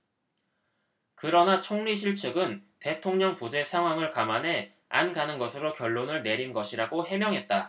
그러나 총리실측은 대통령 부재 상황을 감안해 안 가는 것으로 결론을 내린 것이라고 해명했다